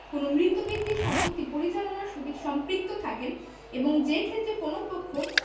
কোন মৃত ব্যক্তির সম্পত্তি পরিচালনার সহিত সম্পৃক্ত থাকেন এবং যেক্ষেত্রে কোন পক্ষ